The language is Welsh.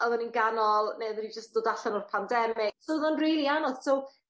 odden ni'n ganol neu odden ni jyst dod allan o'r pandemic so o'dd o'n rili anodd so